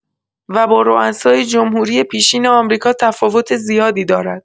و با روسای جمهوری پیشین آمریکا تفاوت زیادی دارد.